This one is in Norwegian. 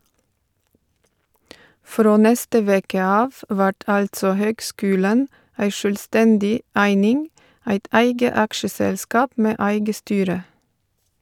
Frå neste veke av vert altså høgskulen ei sjølvstendig eining, eit eige aksjeselskap med eige styre.